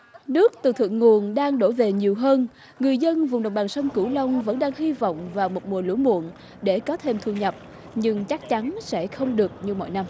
nước từ thượng nguồn đang đổ về nhiều hơn người dân vùng đồng bằng sông cửu long vẫn đang hy vọng vào một mùa lũ muộn để có thêm thu nhập nhưng chắc chắn sẽ không được như mọi năm